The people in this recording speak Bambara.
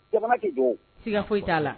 Jamana te jɔ o siga foyi t'a la